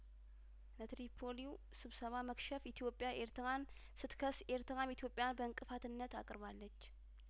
ለትሪፖሊው ስብሰባ መክሸፍ ኢትዮጵያ ኤርትራን ስትከስ ኤርትራም ኢትዮጵያን በእንቅፋትነት አቅርባለች